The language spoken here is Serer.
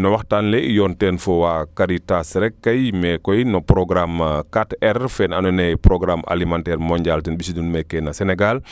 no waxtaan le i yoon teen fo waa Karitas rek mais koy no programme 4R feene ando naye programme Alimentaire Mondiale ten mbisiiidun meeke no Senegal